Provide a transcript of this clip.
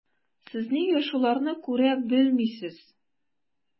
Сез нигә шуларны күрә белмисез?